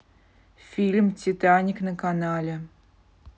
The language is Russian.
фильм титаник на канале